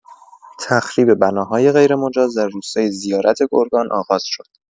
تخریب بناهای غیرمجاز در روستای زیارت گرگان آغاز شد.